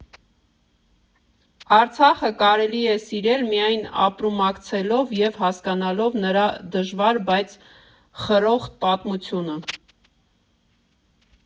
Արցախը կարելի է սիրել միայն ապրումակցելով և հասկանալով նրա դժվար, բայց խրոխտ պատմությունը։